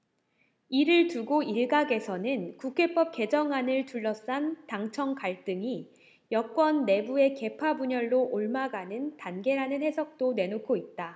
이를 두고 일각에서는 국회법 개정안을 둘러싼 당청 갈등이 여권 내부의 계파 분열로 옮아가는 단계라는 해석도 내놓고 있다